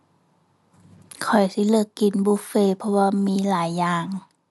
ข้อยสิเลือกกินบุฟเฟต์ เพราะว่ามีหลายอย่าง